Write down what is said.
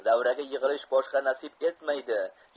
davraga yig'ilish boshqa nasib etmaydi